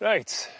Reit